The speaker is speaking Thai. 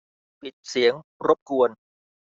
ปิดเสียงรบกวน